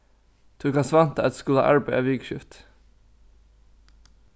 tú kanst vænta at skula arbeiða vikuskifti